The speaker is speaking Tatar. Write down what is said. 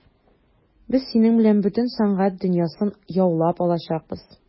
Без синең белән бөтен сәнгать дөньясын яулап алачакбыз.